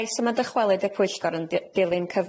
yma'n dychwelyd i'r pwyllgor yn d- ilyn cyfnod